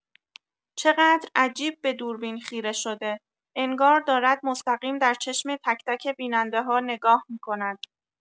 چقدر عجیب به دوربین خیره شده، انگار دارد مستقیم در چشم تک‌تک بیننده‌ها نگاه می‌کند.